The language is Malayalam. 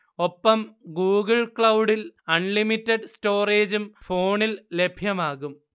ഒപ്പം ഗൂഗിൾ ക്ലൗഡിൽ അൺലിമിറ്റഡ് സ്റ്റോറേജും ഫോണിൽ ലഭ്യമാവും